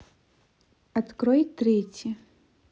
открой третий